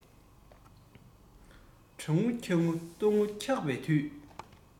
ཕ མ གཉིས པོའི དགོང མོའི གཉིད ཐེབས བཅག